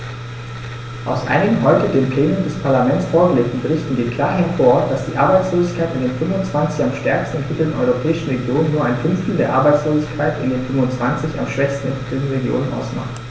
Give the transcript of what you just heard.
Aus einigen heute dem Plenum des Parlaments vorgelegten Berichten geht klar hervor, dass die Arbeitslosigkeit in den 25 am stärksten entwickelten europäischen Regionen nur ein Fünftel der Arbeitslosigkeit in den 25 am schwächsten entwickelten Regionen ausmacht.